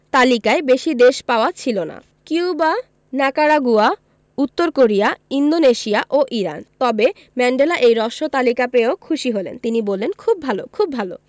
তালিকায় বেশি দেশ পাওয়া ছিল না কিউবা নিকারাগুয়া উত্তর কোরিয়া ইন্দোনেশিয়া ও ইরান তবে ম্যান্ডেলা এই হ্রস্ব তালিকা পেয়েও খুশি হলেন তিনি বললেন খুব ভালো খুব ভালো